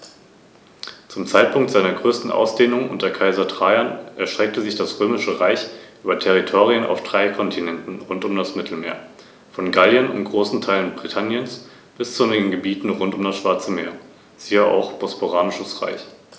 Die Beute greifen die Adler meist auf dem Boden oder im bodennahen Luftraum und töten sie mit den außerordentlich kräftigen Zehen und Krallen.